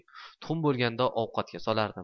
tuxum bo'lganda ovqatga solardim